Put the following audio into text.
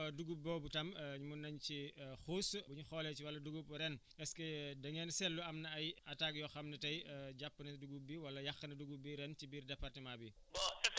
si wàllu dugub boobu tam mun nañ ci xuus bu ñu xoolee si wàllu dugub ren parce que da ngeen seetlu am na ay attaques yoo xam ne tey jàpp na dugub bi wala yàq na dugub bi ren ci biir département bi